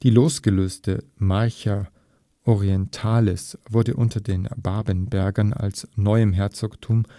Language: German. losgelöste Marcha Orientalis wurde unter den Babenbergern als neuem Herzogtum